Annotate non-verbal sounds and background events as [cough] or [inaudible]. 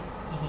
[hesitation] [hesitation]